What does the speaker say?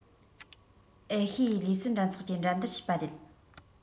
ཨེ ཤེ ཡའི ལུས རྩལ འགྲན ཚོགས ཀྱི འགྲན བསྡུར བྱས པ རེད